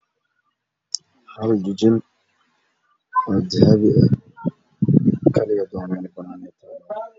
Hal jijin oo dahabi ah oo meel banaan ah yaalo.